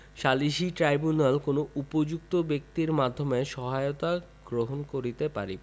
সালিসী ট্রাইব্যুনাল কোন উপযুক্ত ব্যক্তির মাধ্যমে সহায়তা গ্রহণ করিতে পারি